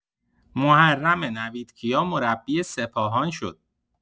محرم نویدکیا مربی سپاهان شد.